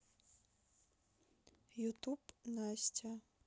ютуб настя